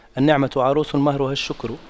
النعمة عروس مهرها الشكر